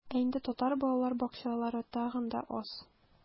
Ә инде татар балалар бакчалары тагын да аз.